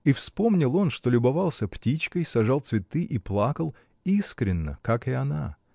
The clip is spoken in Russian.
И вспомнил он, что любовался птичкой, сажал цветы и плакал — искренно, как и она.